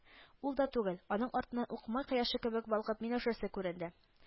Ул да түгел, аның артыннан ук май кояшы кебек балкып Миләүшәсе күренде